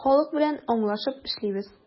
Халык белән аңлашып эшлибез.